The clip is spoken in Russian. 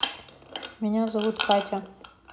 меня зовут катя